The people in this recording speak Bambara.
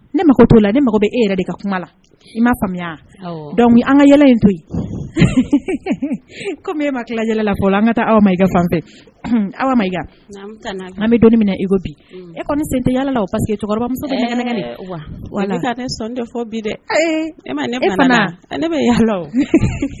Ne mago t'o la ne mako bɛ e yɛrɛ de ka kuma la i m ma faamuya dɔnku an ka yɛlɛ in to ko e ma tilala yalala' an ka taa aw ma i fan aw ma i an bɛ don minɛ i ko bi e kɔni sen tɛ yalala oseke cɛkɔrɔbamuso wa tɛ tɛ fɔ bi dɛ ne ne ma yala